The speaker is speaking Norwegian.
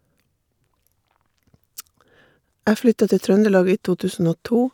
Jeg flytta til Trøndelag i to tusen og to.